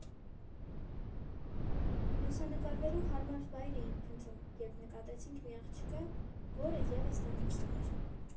Լուսանկարվելու հարմար վայր էինք փնտրում, երբ նկատեցինք մի աղջկա, որը ևս տանիքին էր։